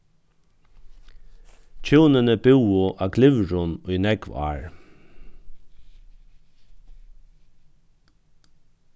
hjúnini búðu á glyvrum í nógv ár